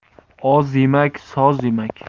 oz yemak soz yemak